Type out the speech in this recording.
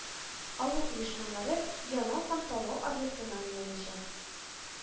Алу оешмалары янау һәм талау объектына әйләнәчәк